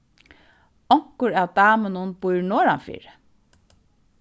onkur av damunum býr norðanfyri